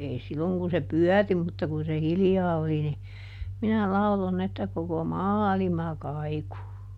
ei silloin kun se pyöri mutta kun se hiljaa oli niin minä lauloin että koko maailma kaikui